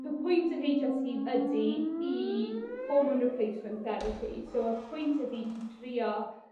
So pwynt yr Heitch Are Tee ydi i hormon replacement therapy so y pwynt ydi i drio